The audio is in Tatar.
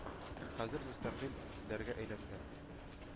Хәзер мөстәкыйль илләргә әйләнгән